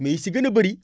mais yi si gën a bëri